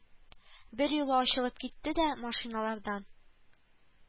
Берьюлы ачылып китте дә, машиналардан